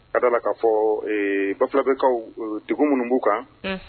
Ka da la k ka fɔ bafula bɛkaw dugu minnu bbugu kan